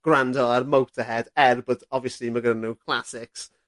gwrando ar Motorhead er bod obviously ma' gynnyn n'w classics.